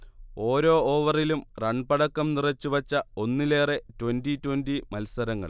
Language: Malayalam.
ഓരോ ഓവറിലും റൺപടക്കം നിറച്ചു വച്ച ഒന്നിലേറെ ട്വന്റി ട്വന്റി മൽസരങ്ങൾ